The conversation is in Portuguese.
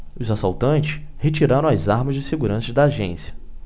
os assaltantes retiraram as armas dos seguranças da agência